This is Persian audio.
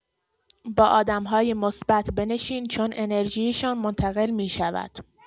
با آدم‌های مثبت بنشین چون انرژی‌شان منتقل می‌شود.